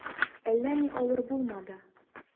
Әллә ни авыр булмады.